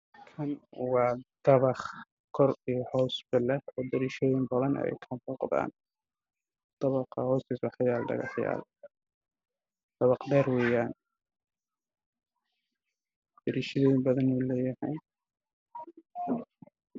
Waa dabaq aada u dheer oo ka kooban lix biyaano oo midabkiis yahay jaalo daaqadana ay furan yihiin